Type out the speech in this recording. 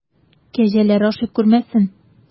Кәҗәләр ашый күрмәсен!